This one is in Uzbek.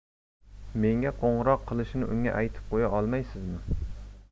menga qo'ng'iroq qilishini unga aytib qo'ya olmaysizmi